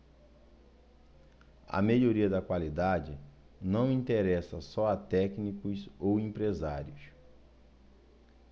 a melhoria da qualidade não interessa só a técnicos ou empresários